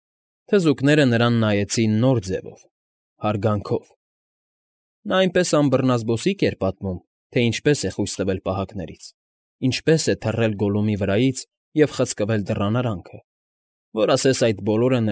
Թզուկները նրան նայեցին նոր ձևով, հարգանքով. նա այնպես անբռնազբոսիկ էր պատմում, թե ինչպես է խույս տվել պահակներից, ինչպես է թռել Գոլլումի վրայից և խցկվել դռան արանքը, որ ասես այդ բոլորը։